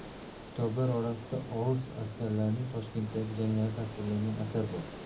kitoblar orasida o'rus askarlarining toshkentdagi janglari tasvirlangan asar bor